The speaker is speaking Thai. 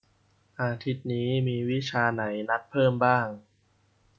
อาทิตย์นี้มีวิชาไหนนัดเพิ่มบ้าง